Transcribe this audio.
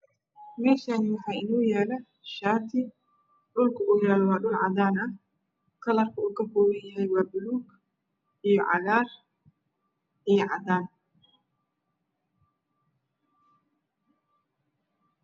Meeshaan waxaa inoo yaala shaati dhulka uu yaalo waa dhul cadaan ah kalarka uu ka kooban yahay wa baluug iyo cagaar iyo cadaan.